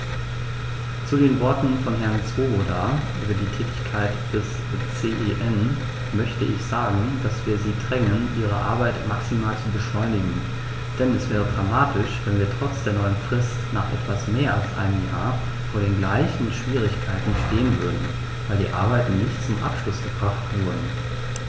Zu den Worten von Herrn Swoboda über die Tätigkeit des CEN möchte ich sagen, dass wir sie drängen, ihre Arbeit maximal zu beschleunigen, denn es wäre dramatisch, wenn wir trotz der neuen Frist nach etwas mehr als einem Jahr vor den gleichen Schwierigkeiten stehen würden, weil die Arbeiten nicht zum Abschluss gebracht wurden.